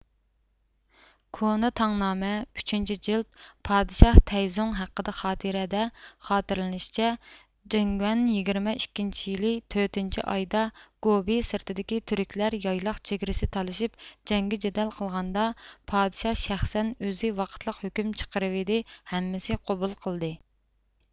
كونا تاڭنامە ئۈچىنچى جىلد پادىشاھ تەيزۇڭ ھەققىدە خاتىرە دە خاتىرىلىنىشچە جېنگۇەن يىگىرمە ئىككىنچى يىلى تۆتىنچى ئايدا گوبى سىرتىدىكى تۈركلەر يايلاق چېگرىسى تالىشىپ جەڭگى جىدەل قىلغاندا پادىشاھ شەخسەن ئۆزى ۋاقىتلىق ھۆكۈم چىقىرىۋىدى ھەممىسى قوبۇل قىلدى